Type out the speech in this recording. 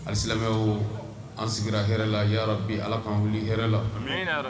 Alisa an sigira hɛrɛ la bi ala k'an wuli hɛrɛ la